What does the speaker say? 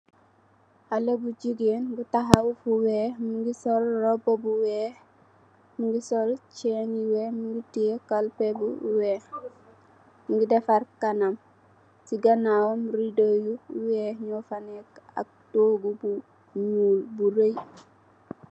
Halle boi jegueen bou tahaw ci kaw lou weck mougui sol lou weck mougui tiyee kallpeh house weck mougui defar kanam ci gannaw wam mougui am aye rido ak togou bou nyull bou rey